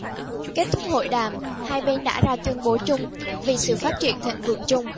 kết thúc hội đàm hai bên đã ra tuyên bố chung vì sự phát triển thịnh vượng chung